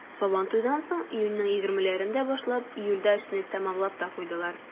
Сабантуйдан соң, июньнең 20-ләрендә башлап, июльдә эшне тәмамлап та куйдылар.